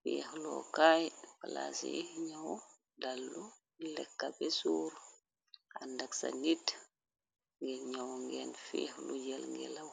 fiix lookaay plas yi ñaw dàllu lekkabe suur àndak sa nit ngir ñëwo ngeen fiix lujël ngelaw